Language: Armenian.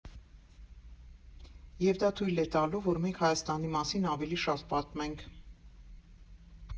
Եվ դա թույլ է տալու, որ մենք Հայաստանի մասին ավելի շատ պատմենք»։